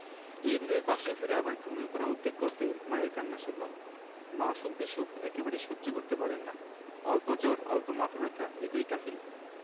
Bangladeshi standard Samir ud Daula Khan